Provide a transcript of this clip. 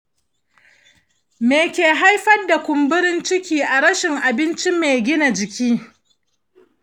me ke haifar da kumburin ciki a rashin abinci mai gina jiki?